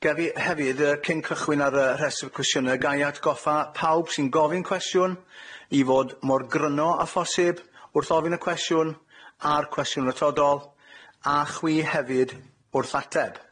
Gefi- hefyd yy, cyn cychwyn ar yy rhestr cwestiyne, ga' i atgoffa pawb sy'n gofyn cwestiwn i fod mor gryno â phosib wrth ofyn y cwestiwn, a'r cwestiwn yr atodol, a chwi hefyd wrth ateb.